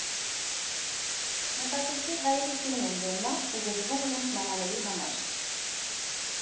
Մտածեցի՝ հայերը սիրում են դոլմա ու գժվում իրենց մամաների համար։